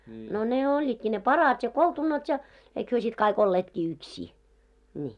no ne olivatkin ne parat ja koltunat ja eikä he sitten kaikki olleetkin yksiä niin